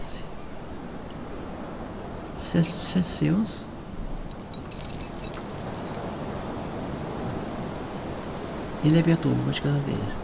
celsius eg leypi hatta um veit ikki hvat hatta er